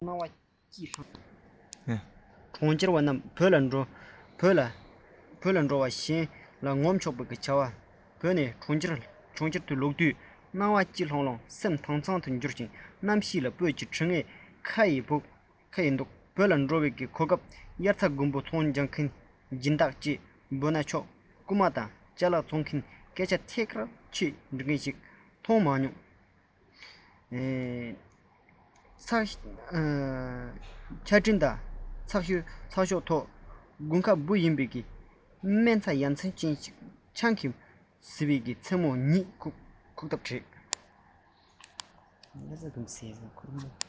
གྲོང ཁྱེར བ རྣམས བོད ལ འགྲོ བ གཞན ལ ངོམ ཆོག པའི བྱ བ བོད ནས གྲོང ཁྱེར དུ ལོག དུས སྣང བ སྐྱིད ལྷང ལྷང སེམས དྭངས གཙང དུ གྱུར རྣམ ཤེས ལ སྤོས ཀྱི དྲི ངད ཁ ཡི འདུག བོད དུ འགྲོ བའི གོ སྐབས དབྱར རྩྭ དགུན འབུའི ཚོང རྒྱག མཁན ཞིག སྦྱིན བདག ཅེས འབོད ན ཆོག རྐུན མ དང ཅ ལག འཚོང མཁན སྐད ཆ ཐད ཀར འཆད མཁན ཞིག མཐོང མ མྱོང རྒྱལ སྤྱིའི གསར འགྱུར སྔོན འགྲོའི ཚུལ དུ བཤད ཁྱད ཆོས ལྡན པའི སྐད ཆ བཤད ལུགས ས ཆ གང དུ འགྲོ བ འབུ ཅི འདྲ འཚོལ བ གོང ལྡབ གཅིག གིས ཆེ བ སྤྲད ཆོག ཁ པར གྱི སྒྲ སླར ཡང གྲགས བྱུང བུ མོ མཛེས མ ཞིག བརྙན འཕྲིན དང ཚགས ཤོག ཐོག དགུན ཁ འབུ ཡིན བའི སྨན རྩྭ ཡ མཚན ཅན ཆང གིས བཟི བའི མཚན མོ གཉིད ཁུག ཐབས བྲལ